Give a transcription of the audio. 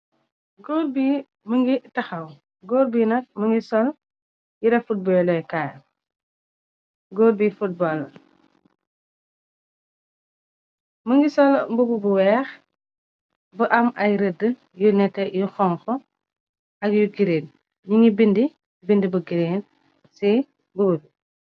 Goor bi mun ngi taxaw góor bi nak mun ngi sol yere football le kay. Gorr bu football la, mun ngi sol mbubu bu weekh bu am ay ritii yu nete yu xonx ak yu girin ñi ngi bind bind bu gren ci buur.